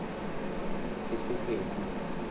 Ist OK.